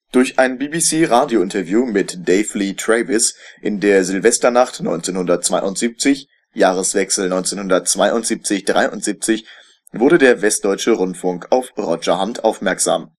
Durch ein BBC-Radiointerview mit Dave Lee Travis in der Silvesternacht 1972 (Jahreswechsel 1972 / 73) wurde der WDR auf Roger Handt aufmerksam